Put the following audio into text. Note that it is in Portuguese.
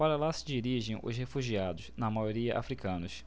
para lá se dirigem os refugiados na maioria hútus